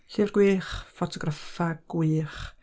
Llyfr gwych, ffotograffau gwych.